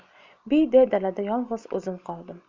biydak dalada yolg'iz qoldim